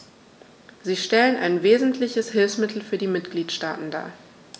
Sie stellen ein wesentliches Hilfsmittel für die Mitgliedstaaten dar.